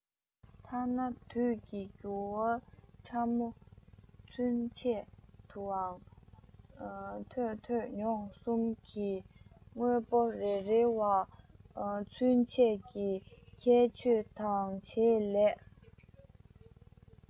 ཐ ན དུས ཀྱི རྒྱུ བ ཕྲ མོ ཚུན ཆད དུའང མཐོས ཐོས མྱོང གསུམ གྱི དངོས པོ རེ རེ བ ཚུན ཆད ཀྱི ཁྱད ཆོས དང བྱེད ལས